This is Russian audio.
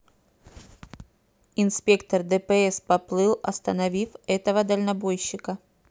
инспектор дпс поплыл остановив этого дальнобойщика